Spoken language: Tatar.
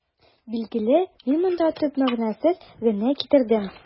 Билгеле, мин монда төп мәгънәсен генә китердем.